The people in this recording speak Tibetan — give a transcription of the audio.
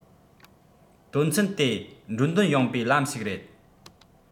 དོན ཚན དེ འགྲོ འདོད ཡངས པའི ལམ ཞིག རེད